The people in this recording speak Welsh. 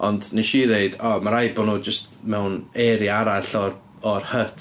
Ond wnes i ddweud "o ma' rhaid bod nhw jyst mewn area arall o'r o'r hut".